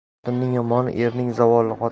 xotinning yomoni erning zavoli